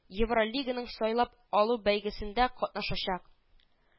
– евролиганың сайлап алу бәйгесендә катнашачак